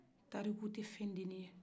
taraku tɛ fɛn dennin ye